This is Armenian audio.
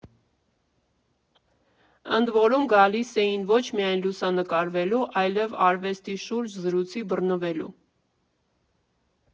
Ընդ որում՝ գալիս էին ոչ միայն լուսանկարվելու, այլև արվեստի շուրջ զրույցի բռնվելու։